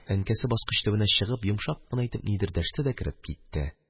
Әнкәсе баскыч төбенә чыгып, йомшак кына итеп нидер дәште дә кереп китте.